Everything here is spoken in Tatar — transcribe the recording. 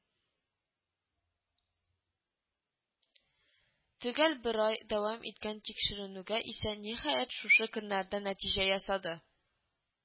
Төгәл бер ай дәвам иткән тикшеренүгә исә, ниһаять, шушы көннәрдә нәтиҗә ясады